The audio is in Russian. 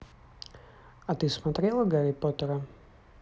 а ты смотрела гарри поттера